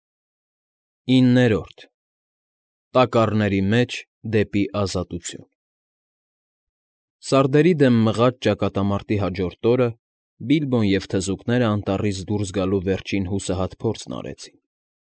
ԻՆՆԵՐՈՐԴ ՏԱԿԱՌՆԵՐԻ ՄԵՋ ԴԵՊԻ ԱԶԱՏՈՒԹՅՈՒՆ Սարդերի դեմ մղած ճակատամարտի հաջորդ օրը Բիլբոն և թզուկները անտառից դուրս գալու վերջին հուսահատ փորձն արեցին։